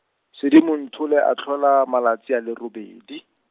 Sedimonthole a tlhola malatsi a le robedi.